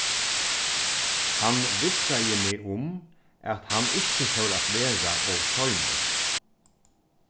hann vissaði meg um at hann ikki fór at vera ov seinur